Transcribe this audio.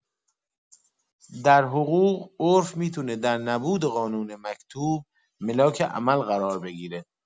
در حقوق، عرف می‌تونه در نبود قانون مکتوب ملاک عمل قرار بگیره.